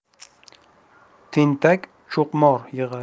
tentak cho'qmor yig'ar